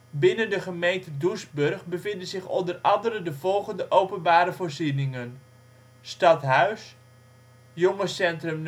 Binnen de gemeente Doesburg bevinden zich onder andere de volgende openbare voorzieningen: Stadhuis Jongerencentrum